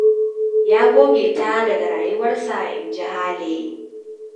"Ya goge ta daga rayuwarsa," in ji Hale.